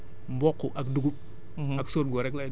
moom mboq ak dugub